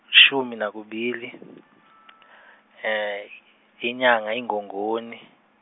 shumi nakubili , inyanga iNgongoni.